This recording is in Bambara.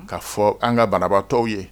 Ka fɔ an ka banabaatɔ ye